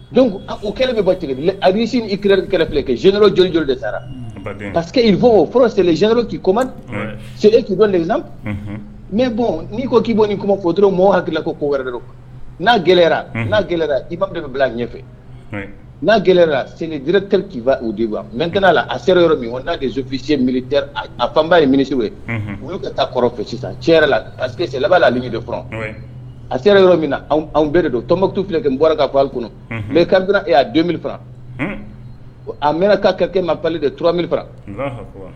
Don o kɛlen bɛ ba tigɛli a'i sin i kira kɛrɛ kɛ zy jɔnj de sara paseke i fɔlɔlo k'i koma e k'i dɔn n bɔ n'i ko k'i bɔ nin kumat maaw hakilila ko ko wɛrɛ n'a gɛlɛya n'a gɛlɛyayara i ba bɛ bila a ɲɛfɛ n'a gɛlɛya k'i o di mɛt' la a sera yɔrɔ min wa n'a kɛ z fisi a fanba ye mini ye o y'o ka taa kɔrɔ fɛ sisan la parceseke laban la de a sera yɔrɔ min na anw bɛɛ don tɔnbatu filɛ bɔra' koale kɔnɔ donran a mɛn ka kɛrɛke ma bali de tura fara